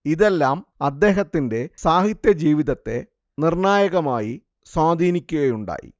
ഇതെല്ലാം ഇദ്ദേഹത്തിന്റെ സാഹിത്യജീവിതത്തെ നിർണായകമായി സ്വാധീനിക്കുകയുണ്ടായി